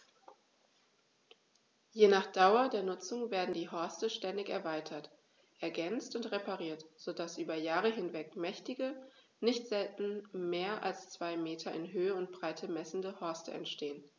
Je nach Dauer der Nutzung werden die Horste ständig erweitert, ergänzt und repariert, so dass über Jahre hinweg mächtige, nicht selten mehr als zwei Meter in Höhe und Breite messende Horste entstehen.